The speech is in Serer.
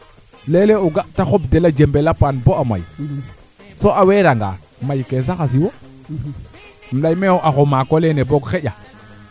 so jambo ñoow nit teen ɓaslof ñoowin teen mbasilo xa anderoona a pandax roogo de ten taxu bo fat